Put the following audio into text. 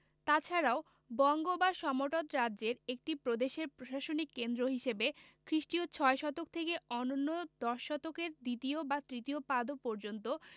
তা ছাড়াও বঙ্গ বা সমতট রাজ্যের একটি প্রদেশের প্রশাসনিক কেন্দ্র হিসেবে খ্রিস্টীয় ছয় শতক থেকে অন্যূন দশ শতকের দ্বিতীয় বা তৃতীয় পাদ পর্যন্ত